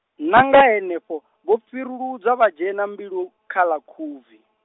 na nga henefho, vho fhiruludzwa vha dzhena mbulu, kha ḽa Khubvi.